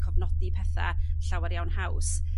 cofnodi petha' llawar iawn haws.